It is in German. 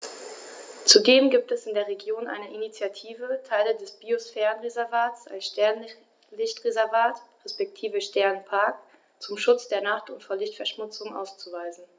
Zudem gibt es in der Region eine Initiative, Teile des Biosphärenreservats als Sternenlicht-Reservat respektive Sternenpark zum Schutz der Nacht und vor Lichtverschmutzung auszuweisen.